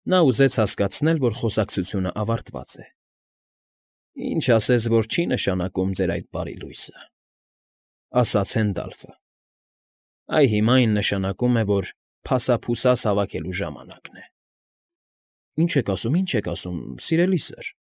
Նա ուզեց հասկացնել, որ խոսակցությունն ավարտված է։ ֊ Ինչ ասես, որ չի նշանակում ձեր այդ «բարի լույսը», ֊ ասաց Հենդալֆը։ ֊ Այ հիմա այն նշանակում է, որ փասափուսաս հավաքելու ժամանակն է։ ֊ Ի՞նչ եք ասում, ի՞նչ եք ասում, սիրելի սըր։